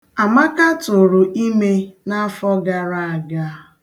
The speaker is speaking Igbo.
Amaka tụụrụ ime n'afọ gara aga.